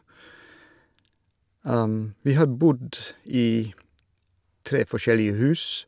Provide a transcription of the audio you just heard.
Vi har bodd i tre forskjellige hus.